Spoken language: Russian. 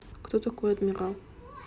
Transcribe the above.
кто такой адмирал